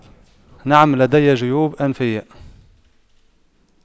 نعم لدي جيوب أنفية